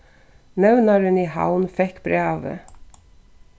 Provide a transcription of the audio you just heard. nevnarin í havn fekk brævið